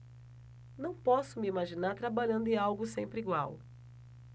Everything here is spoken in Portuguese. não posso me imaginar trabalhando em algo sempre igual